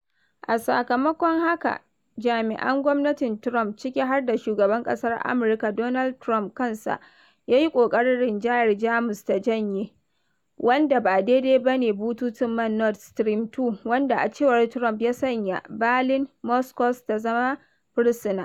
A sakamakon haka, jami'an gwamnatin Trump, ciki har da shugaban ƙasar Amurka Donald Trump kansa, yayi ƙoƙarin rinjayar Jamus ta janye "wanda ba daidai ba ne" bututun man Nord Stream 2, wanda a cewar Trump, ya sanya Berlin Moscow’s ta zama “fursuna”.